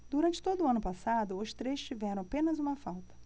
durante todo o ano passado os três tiveram apenas uma falta